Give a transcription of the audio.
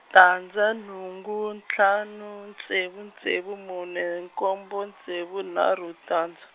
tandza nhungu ntlhanu ntsevu ntsevu mune nkombo ntsevu nharhu tandza.